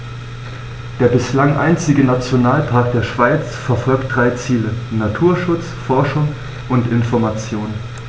Der bislang einzige Nationalpark der Schweiz verfolgt drei Ziele: Naturschutz, Forschung und Information.